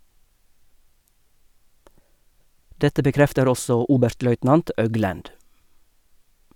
Dette bekrefter også oberstløytnant Øglænd.